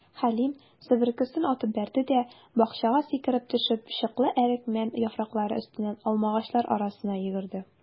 Хәлим, себеркесен атып бәрде дә, бакчага сикереп төшеп, чыклы әрекмән яфраклары өстеннән алмагачлар арасына йөгерде.